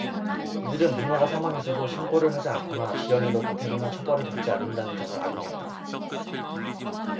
이들은 부모가 사망했어도 신고를 하지 않거나 지연해도 과태료나 처벌을 받지 않는다는 점을 악용했다